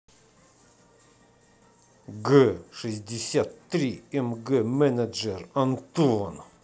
г шестьдесят три мг менеджер антон